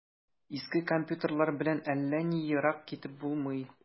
Иске компьютерлар белән әллә ни ерак китеп булмый.